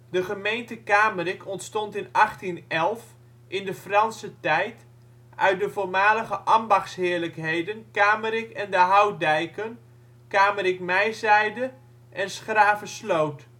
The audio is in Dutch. De gemeente Kamerik ontstond in 1811, in de Franse tijd, uit de voormalige ambachtsheerlijkheden Kamerik en de Houtdijken, Kamerik-Mijzijde en ' s-Gravesloot